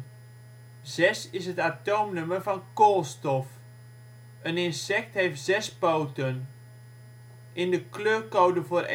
Zes is het atoomnummer van koolstof. Een insect heeft 6 poten. In de kleurcode voor elektronicacomponenten